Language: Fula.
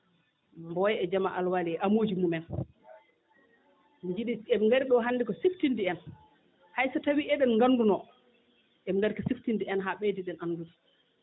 Mboya e Jama Alwali e amuuji mumen njiɗi mbeɗo ɗoo hannde ko siftinde en hay so tawii eɗen nganndunoo eɓe ngari ko siftinde en haa ɓeydoɗen anndude